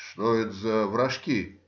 — Что это за вражки?